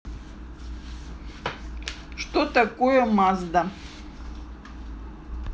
что такое мазда